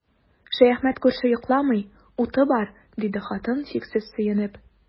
Шәяхмәт күрше йокламый, уты бар, диде хатын, чиксез сөенеп.